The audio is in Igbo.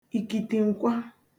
ìkìtìǹkwa